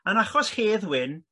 Yn achos Hedd Wyn